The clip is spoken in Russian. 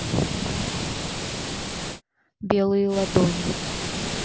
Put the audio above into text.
белые ладони